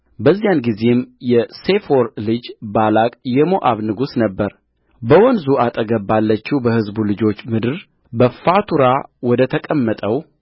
በዚያን ጊዜም የሴፎር ልጅ ባላቅ የሞዓብ ንጉሥ ነበረበወንዙ አጠገብ ባለችው በሕዝቡ ልጆች ምድር በፋቱራ ወደ ተቀመጠው